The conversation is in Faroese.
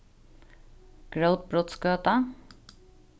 grótbrotsgøta